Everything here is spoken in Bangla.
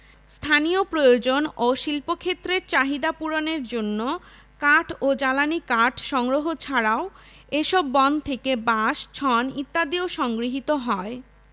স্থানীয় প্রয়োজন ও শিল্পক্ষেত্রের চাহিদা পূরণের জন্য কাঠ ও জ্বালানি কাঠ সংগ্রহ ছাড়াও এসব বন থেকে বাঁশ ছন ইত্যাদিও সংগৃহীত হয়